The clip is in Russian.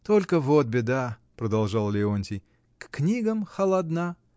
— Только вот беда, — продолжал Леонтий, — к книгам холодна.